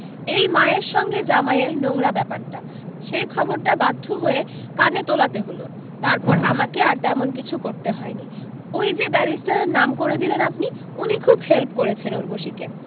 এই মায়ের সঙ্গে জামাইয়ের নোংরা ব্যাপারটা সেই খবরটা বাধ্য হয়ে কানে তোলাতে হলো তারপর আমাকে আর তেমন কিছু করতে হয়নি ওই যে ব্যারিষ্টারের নাম করে দিলেন আপনি উনি খুব হেল্প করেছেন ঊর্বশীকে